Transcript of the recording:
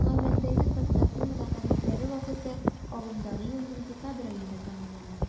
Гамәлдәге составның вәкаләтләре вакыты агымдагы елның декабрь аенда тәмамлана.